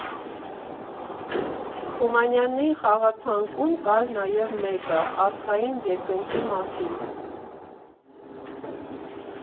Թումանյանի խաղացանկում կար նաև մեկը՝ աստղային երկնքի մասին։